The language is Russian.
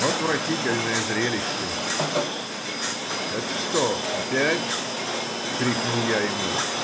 Отвратительное зрелище! — Это что опять? — крикнул я ему.